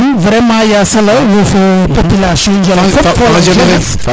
kon vraiment Ya Sala wo fo population njemu fop fo la jeunesse